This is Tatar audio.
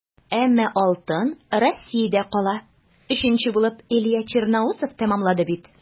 Әмма алтын Россиядә кала - өченче булып Илья Черноусов тәмамлады бит.